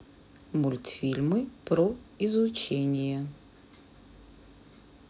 мультфильмы про изучение